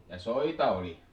ja soita oli